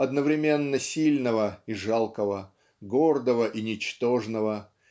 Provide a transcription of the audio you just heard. одновременно сильного и жалкого гордого и ничтожного